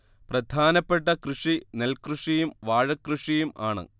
പ്രധാനപ്പെട്ട കൃഷി നെൽകൃഷിയും വാഴകൃഷിയും ആണ്